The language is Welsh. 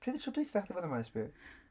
Pryd oedd tro diwethaf i chdi fod yn Maes B?